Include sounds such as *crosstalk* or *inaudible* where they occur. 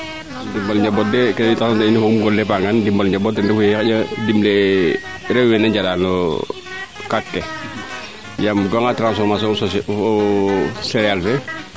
ndimbal njamboot de kee tax na te inu gonle paangan Ndimbal Njambot ten refu yee dimle rew we na njala no kaaf ke yaam o ga'a nga transformation *hesitation* cereale fee